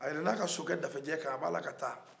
a yɛlɛl'a ka sokɛ dafejɛ kan a b'a la ka taa